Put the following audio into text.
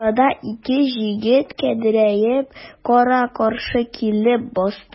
Ул арада ике җегет көдрәеп кара-каршы килеп басты.